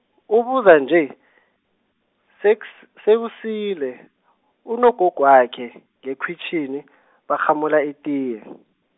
ubuza nje, seks sekusile, unogogwakhe, ngekhwitjhini , barhamula itiye.